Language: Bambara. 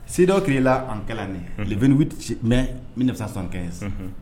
CEDEAO créeé la en quelle année? le 28 mai 1975.